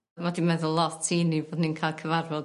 Ma' 'di meddwl lot i ni bo' ni'n ca'l cyfarfod...